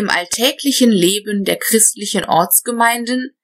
alltäglichen Leben der christlichen Ortsgemeinden